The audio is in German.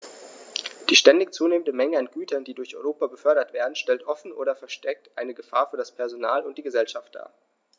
Die ständig zunehmende Menge an Gütern, die durch Europa befördert werden, stellt offen oder versteckt eine Gefahr für das Personal und die Gesellschaft dar.